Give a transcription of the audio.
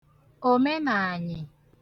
òmenàànyị̀